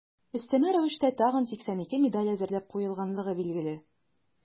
Өстәмә рәвештә тагын 82 медаль әзерләп куелганлыгы билгеле.